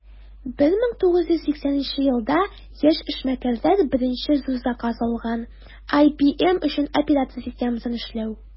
1980 елда яшь эшмәкәрләр беренче зур заказ алган - ibm өчен операция системасын эшләү.